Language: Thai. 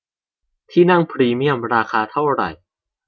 ที่นั่งพรีเมี่ยมราคาเท่าไหร่